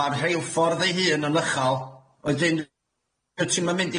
Ma'r rheilffordd ei hun yn uchal, wedyn yy ti'm yn mynd